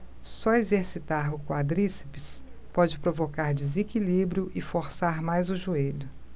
só exercitar o quadríceps pode provocar desequilíbrio e forçar mais o joelho